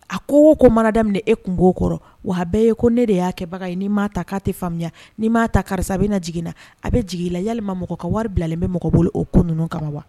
A ko ko mana daminɛ e tun b'o kɔrɔ wa bɛɛ ye ko ne de y'a kɛbaga ye ni m ma ta k'a tɛ faamuya nii m' ta karisa a bɛ na jigin na a bɛ jigin la yalilima mɔgɔ ka wari bilalen bɛ mɔgɔ boli o ko ninnu kama wa